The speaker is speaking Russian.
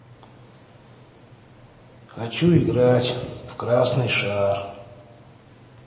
хочу играть в красный шар